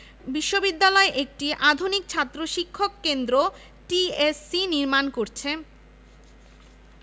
বিশ্ববিদ্যালয় একটি আধুনিক ছাত্র শিক্ষক কেন্দ্র টিএসসি নির্মাণ করছে